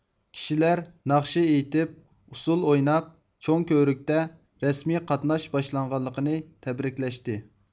كىشىلەر ناخشا ئېيتىپ ئۇسسۇل ئويناپ چوڭ كۆۋرۈكتە رەسمىي قاتناش باشلانغانلىقىنى تەبرىكلەشتى